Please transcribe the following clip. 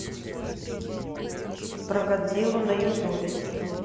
про годзиллу на ютубе